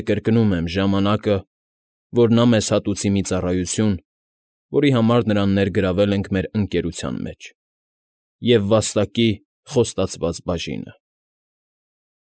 Է, կրկնում եմ, ժամանակը, որ նա մեզ մատուցի մի ծառայություն, որի համար նրան ներգրավել ենք մեր ընկերության մեջ, և վաստակի խոստացված բաժինը։